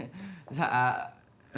dạ